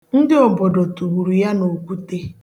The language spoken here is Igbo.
Ndị obodo tụgburu ya na okwute.